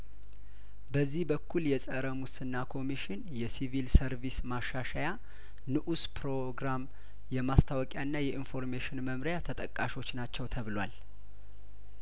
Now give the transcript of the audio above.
በዚህ በኩል የጸረ ሙስና ኮሚሽን የሲቪል ሰርቪስ ማሻሻያ ንኡስ ፕሮግራም የማስታወቂያና ኢንፎርሜሽን መምሪያ ተጠቃሾች ናቸው ተብሏል